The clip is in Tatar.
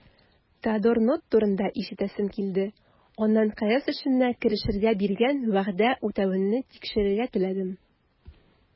Теодор Нотт турында ишетәсем килде, аннан кәгазь эшенә керешергә биргән вәгъдә үтәвеңне тикшерергә теләдем.